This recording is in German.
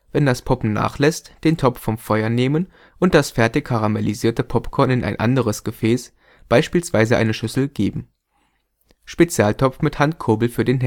Wenn das Poppen nachlässt, den Topf vom Feuer nehmen und das fertig karamellisierte Popcorn in ein anderes Gefäß – beispielsweise eine Schüssel – geben. Spezialtopf mit Handkurbel für den